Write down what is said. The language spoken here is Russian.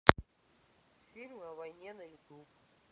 фильмы о войне на ютуб